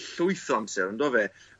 llwyth o amser on'd do fe